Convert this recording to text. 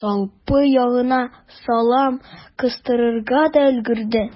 Салпы ягына салам кыстырырга да өлгерде.